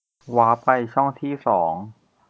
วาปไปช่องที่สอง